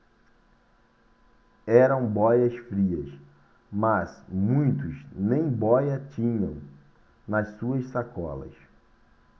eram bóias-frias mas muitos nem bóia tinham nas suas sacolas